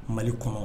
Mali kɔnɔmɔ